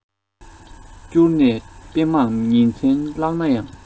བསྐྱུར ནས དཔེ མང ཉིན མཚན བཀླགས ན ཡང